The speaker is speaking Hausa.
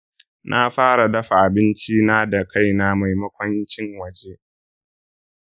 na fara dafa abinci na da kaina maimakon cin waje.